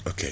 ok